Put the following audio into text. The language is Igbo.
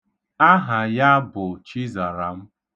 Aha ya bụ Chizaram.